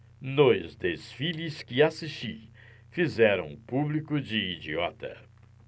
nos desfiles que assisti fizeram o público de idiota